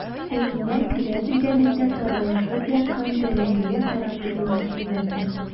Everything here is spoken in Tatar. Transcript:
Сәкинә келәт идәнендә таралышып яткан бәрәңгегә карап елап җибәрде.